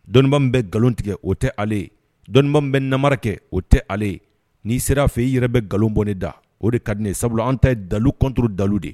Dɔnni bɛ nkalon tigɛ o tɛ ale ye dɔnni bɛ nama kɛ o tɛ ale ye n'i seraa fɛ e i yɛrɛ bɛ nkalon bɔɛ da o de ka di ye sabula an ta dalu dalu de ye